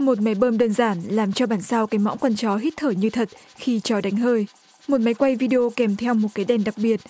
một máy bơm đơn giản làm cho bản sao cái mõm con chó hít thở như thật khi chó đánh hơi một máy quay vi đi ô kèm theo một cái tên đặc biệt